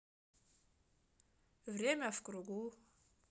время в кругу